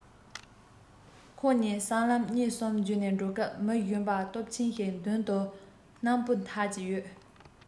ཁོ གཉིས སྲང ལམ གཉིས གསུམ བརྒྱུད ནས འགྲོ སྐབས མི གཞོན པ སྟོབས ཆེན ཞིག མདུན དུ སྣམ སྤུ འཐགས ཀྱི ཡོད